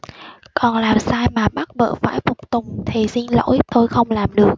còn làm sai mà bắt vợ phải phục tùng thì xin lỗi tôi không làm được